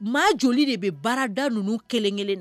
Maa joli de bɛ baarada ninnu kelenkelen na